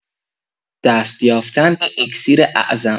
دست‌یافتن به اکسیر اعظم